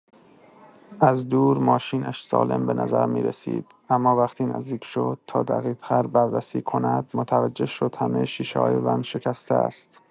از دور ماشینش سالم به‌نظر می‌رسید، اما وقتی نزدیک شد تا دقیق‌تر بررسی کند، متوجه شد همه شیشه‌های ون شکسته است.